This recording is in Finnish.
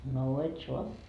no et saa